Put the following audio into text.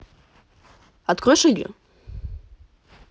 открой шаги